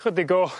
Chydig o